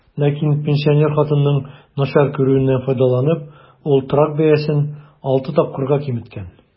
Ләкин, пенсинер хатынның начар күрүеннән файдаланып, ул торак бәясен алты тапкырга киметкән.